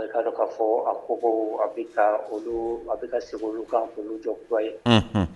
A bɛ dɔn k'a fɔ a ko a bɛ a bɛ segu olu ka jɔba ye